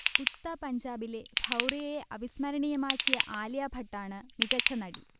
ഉഡ്താ പഞ്ചാബിലെ ഭൗറിയയെ അവിസ്മരണീയമാക്കിയ ആലിയ ഭട്ടാണ് മികച്ച നടി